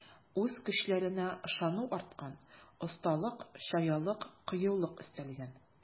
Үз көчләренә ышану арткан, осталык, чаялык, кыюлык өстәлгән.